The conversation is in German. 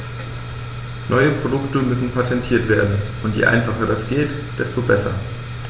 Neue Produkte müssen patentiert werden, und je einfacher das geht, desto besser.